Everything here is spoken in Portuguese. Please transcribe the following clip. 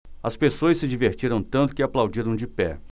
as pessoas se divertiram tanto que aplaudiram de pé